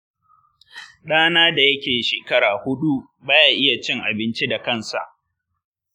dana da yake shekara hudu baya iya cin abinci da kansa.